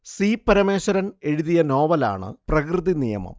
C Parameswaran എഴുതിയ നോവലാണ് പ്രകൃതിനിയമം